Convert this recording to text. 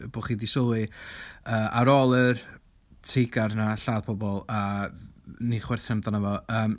Bod chi 'di sylwi ar ôl y teigr 'na lladd pobl a ni chwerthin amdano fo.